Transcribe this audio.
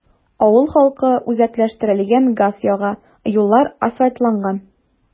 Авыл халкы үзәкләштерелгән газ яга, юллар асфальтланган.